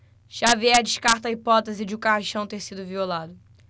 xavier descarta a hipótese de o caixão ter sido violado